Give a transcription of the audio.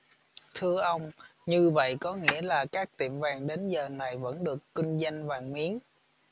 thưa ông như vậy có nghĩa là các tiệm vàng đến giờ này vẫn được kinh doanh vàng miếng